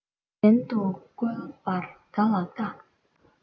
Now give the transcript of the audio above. བྲན དུ བཀོལ བར ག ལ དཀའ